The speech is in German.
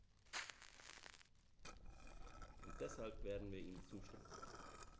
Und deshalb werden wir ihm zustimmen.